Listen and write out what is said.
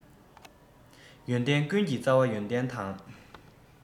ཡོན ཏན ཀུན གྱི རྩ བ ཡོན ཏན དང